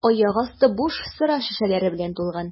Аяк асты буш сыра шешәләре белән тулган.